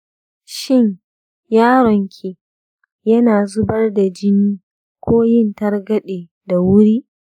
shin yaronki yana zubar da jini ko yin targade da wuri?